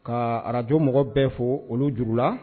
Ka arajo mɔgɔw bɛɛ fo olu juru la